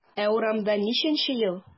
Ә урамда ничәнче ел?